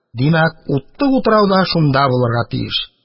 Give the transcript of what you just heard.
Димәк, утлы утрау да шунда булырга тиеш.